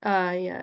O, ie.